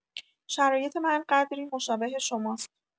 شرایط من قدری مشابه شماست.